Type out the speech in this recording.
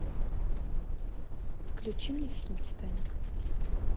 включи мне фильм титаник